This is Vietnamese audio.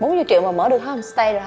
bốn mươi triệu mà mở được hôm sờ tây rồi